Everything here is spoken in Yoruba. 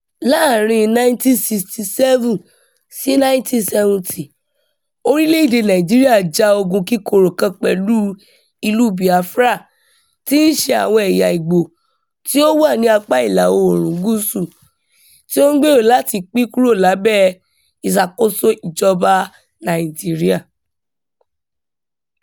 Láàárín 1967 sí 1970, orílẹ̀-èdèe Nàìjíríà ja ogun kíkorò kan pẹ̀lú ìlúu Biafra tí í ṣe àwọn ẹ̀yà Igbo tí ó wà ní apá ìlà-oòrùn gúúsù, tí ó ń gbèrò láti pín yà kúrò lábẹ́ ìṣàkóso ìjọba Nàìjíríà.